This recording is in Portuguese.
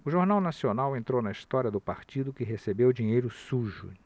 o jornal nacional entrou na história do partido que recebeu dinheiro sujo